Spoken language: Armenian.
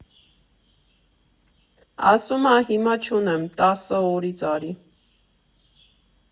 Ասում ա՝ հիմա չունեմ, տասը օրից արի։